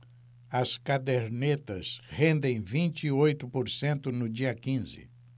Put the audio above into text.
as cadernetas rendem vinte e oito por cento no dia quinze